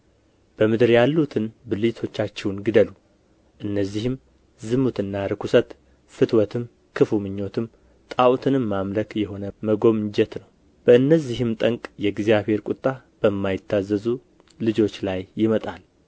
በምድር ያሉቱን ብልቶቻችሁን ግደሉ እነዚህም ዝሙትና ርኵሰት ፍትወትም ክፉ ምኞትም ጣኦትንም ማምለክ የሆነ መጎምጀት ነው በእነዚህም ጠንቅ የእግዚአብሔር ቍጣ በማይታዘዙ ልጆች ላይ ይመጣል